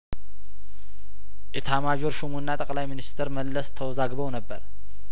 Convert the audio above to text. ኢታማዦር ሹምና ጠቅላይ ሚኒስተር መለስ ተወዛግ በው ነበር